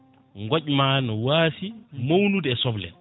goƴma no waasi mawnude e soble en